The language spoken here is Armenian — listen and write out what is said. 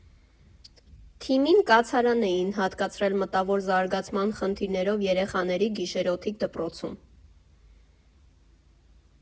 Թիմին կացարան էին հատկացրել մտավոր զարգացման խնդիրներով երեխաների գիշերօթիկ դպրոցում։